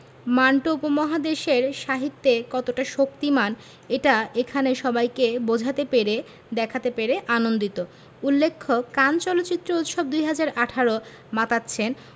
মান্টো উপমহাদেশের সাহিত্যে কতটা শক্তিমান এটা এখানে সবাইকে বোঝাতে পেরে দেখাতে পেরে আনন্দিত উল্লেখ্য কান চলচ্চিত্র উৎসব ২০১৮ মাতাচ্ছেন